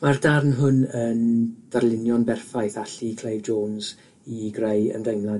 Mae'r darn hwn yn ddarlunio'n berffaith allu Clive Jones i greu ymdeimlad